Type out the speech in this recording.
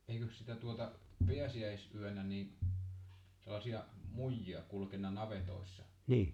eikös sitä tuota pääsiäisyönä niin sellaisia muijia kulkenut navetoissa